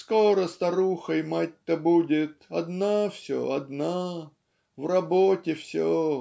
Скоро старухой мать-то будет. одна все одна! в работе все.